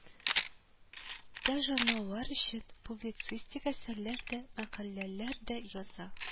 Та-журналлар өчен публицистик әсәрләр дә, мәкаләләр дә яза